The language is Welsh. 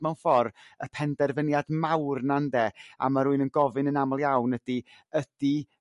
mewn ffor' y penderfyniad mawr 'na 'nde? A ma' rywun yn gofyn yn aml iawn ydy ydy